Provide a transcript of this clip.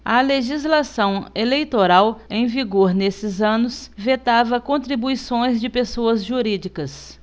a legislação eleitoral em vigor nesses anos vetava contribuições de pessoas jurídicas